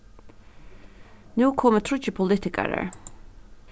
nú komu tríggir politikarar